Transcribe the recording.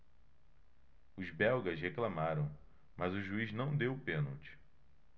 os belgas reclamaram mas o juiz não deu o pênalti